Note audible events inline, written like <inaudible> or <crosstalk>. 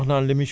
<hesitation> <hesitation>